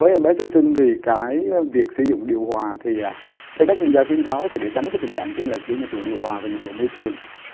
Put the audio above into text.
với em bé sơ sinh thì cái việc sử dụng điều hòa thì theo các chuyên gia khuyến cáo thì để tránh cái tình trạng chênh lệch giữa nhiệt độ điều hòa nhiệt độ môi trường